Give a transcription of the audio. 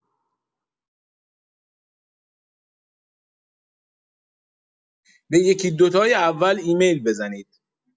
به یکی دو تای اول ایمیل بزنید.